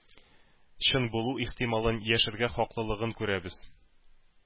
Чын булу ихтималын, яшәргә хаклылыгын күрәбез.